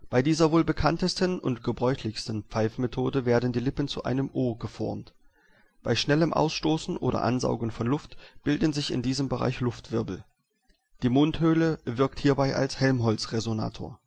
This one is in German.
Bei dieser wohl bekanntesten und gebräuchlichsten Pfeifmethode werden die Lippen zu einem O geformt. Bei schnellem Ausstoßen oder Ansaugen von Luft bilden sich in diesem Bereich Luftwirbel. Die Mundhöhle wirkt hierbei als Helmholtz-Resonator